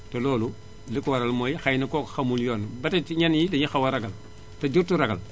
te loolu li ko waral mooy xay na kooku xamul yoon bi ba tay ci ñenn ñi dañuy xaw a ragal te jarut a ragal